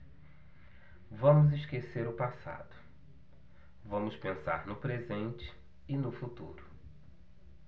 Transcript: vamos esquecer o passado vamos pensar no presente e no futuro